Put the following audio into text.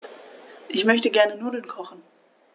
Ich möchte gerne Nudeln kochen.